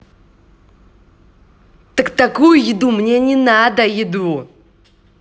так какую еду мне не надо еду